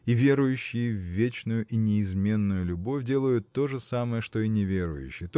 И верующие в вечную и неизменную любовь делают то же самое что и неверующие